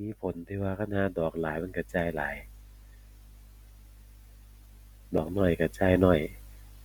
มีผลที่ว่าคันห่าดอกหลายมันก็จ่ายหลาย ดอกน้อยก็จ่ายน้อย